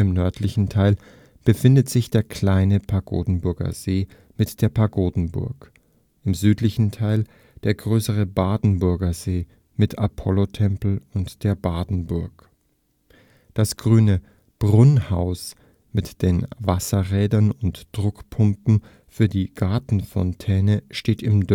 nördlichen Teil befindet sich der kleinere Pagodenburger See mit der Pagodenburg, im südlichen Teil der größere Badenburger See mit Apollotempel und der Badenburg. Das Grüne Brunnhaus mit den Wasserrädern und Druckpumpen für die Gartenfontäne steht im